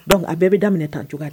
A bɛɛ bɛ daminɛ tan cogo di